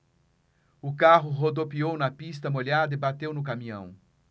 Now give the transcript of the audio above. o carro rodopiou na pista molhada e bateu no caminhão